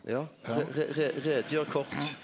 ja greit ut kort!